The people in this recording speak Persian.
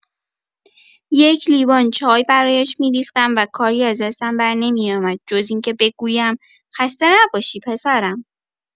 یک لیوان چای برایش می‌ریختم و کاری از دستم برنمی‌آمد جز اینکه بگویم «خسته نباشی پسرم».